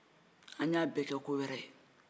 an y'a bɛ kɛ ko wɛrɛ ye